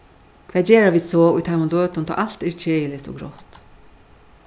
hvat gera vit so í teimum løtum tá alt er keðiligt og grátt